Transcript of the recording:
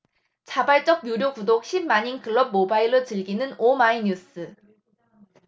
자발적 유료 구독 십 만인클럽 모바일로 즐기는 오마이뉴스